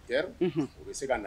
Tɛɛ unhun u bɛ se ka na